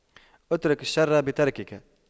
اترك الشر يتركك